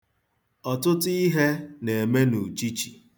Ọtụtụ ihe na-eme n'uchichi